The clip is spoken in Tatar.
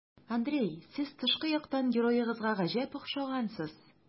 Андрей, сез тышкы яктан героегызга гаҗәп охшагансыз.